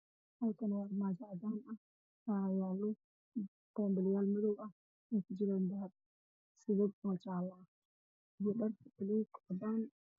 Halkaan waa armaajo cadaan ah waxaa yaalo boonbalooyin madow ah waxaa kujiro dahab sadad oo jaale ah iyo dhar buluug iyo cadaan ah.